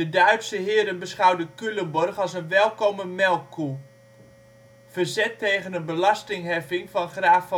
Duitse heren beschouwden Culemborg als een welkome melkkoe. Verzet tegen een belastingheffing van graaf